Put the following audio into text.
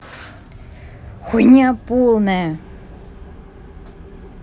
хуйня полная